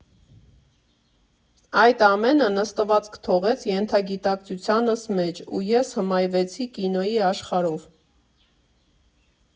Այդ ամենը նստվածք թողեց ենթագիտակցությանս մեջ, ու ես հմայվեցի կինոյի աշխարհով։